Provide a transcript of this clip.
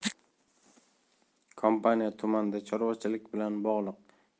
kompaniya tumanda chorvachilik bilan bog'liq yana